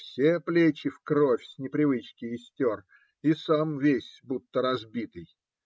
все плечи в кровь с непривычки истер, а сам весь будто разбитый.